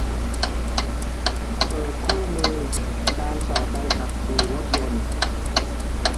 เปิดคู่มือการสอบใบขับขี่รถยนต์